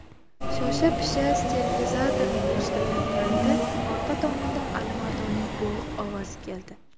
shosha pisha sterilizatorni yig'ishtirayotganida orqa tomondan alimardonning bo'g'iq ovozi keldi